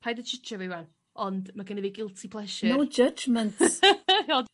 paid â jydgio fi 'wan ond ma gynna' fi guilty pleasure. No judgements.